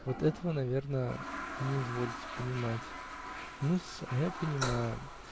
Вот этого, наверно, не изволите понимать. Ну-с, а я понимаю.